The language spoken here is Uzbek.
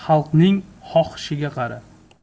xalqning xohishiga qara